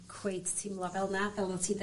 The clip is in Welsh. cweit teimlo fel 'na fel wt ti 'de...